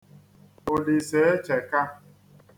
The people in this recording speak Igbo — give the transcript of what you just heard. Òlìsàechẹ̀ka